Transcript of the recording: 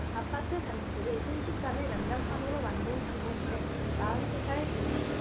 아파트 단지를 순식간에 난장판으로 만든 장본인은 마흔 세 살 이 모 씨